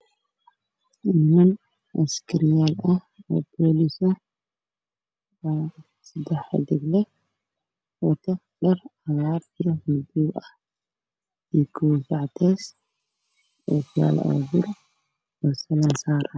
Meeshaan waxaa ka muuqdo ninman askar ah oo boolis ah